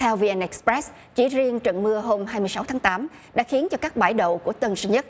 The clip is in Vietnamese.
theo vy en ét rép chỉ riêng trận mưa hôm hai mươi sáu tháng tám đã khiến cho các bãi đậu của tân sơn nhất